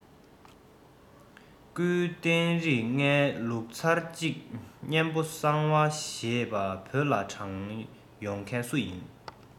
སྐུའི རྟེན རིགས ལྔའི ལུགས ཚར གཅིག གཉན པོ གསང བ ཞེས པ བོད ལ དྲངས ཡོང མཁན སུ ཡིན